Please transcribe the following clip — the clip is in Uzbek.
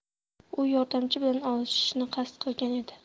u yordamchi bilan olishishni qasd qilgan edi